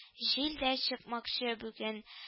Җил дә чыкмакчы, бүген